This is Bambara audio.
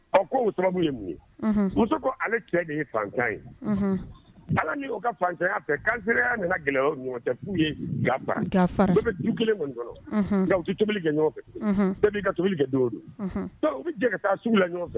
Ɔɔ, k'o sababu ye mun ye. Unhun. Muso ko ale cɛ de ye fantan ye. Unhun. Ala ni o ka fantanya fɛ kansinaya nana gɛlɛya o ni ɲɔgɔn cɛ, f'u ye ga fara. Ga fara. Bɛɛ bɛ du kelen kɔnni kono. Unhun. nka u tɛ tobili kɛ ɲɔgɔn fɛ. bɛɛ b'i ka tobili kɛ don o don. Unhun. Donc u bɛ jɛ ka taa sugu la ɲɔgɔn fɛ.